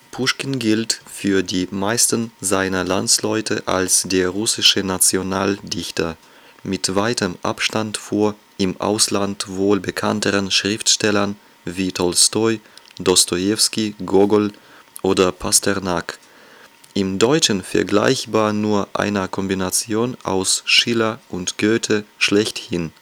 Puschkin gilt für die meisten seiner Landsleute als der russische Nationaldichter (mit weitem Abstand vor im Ausland wohl bekannteren Schriftstellern wie Tolstoi, Dostojewski, Gogol oder Pasternak; im Deutschen vergleichbar nur einer Kombination aus Schiller und Goethe schlechthin